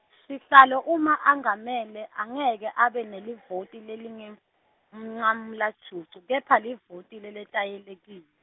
sihlalo uma engamele, angeke abe nelivoti lelingumn- -mncamlajucu, kepha livoti leletayelekil-.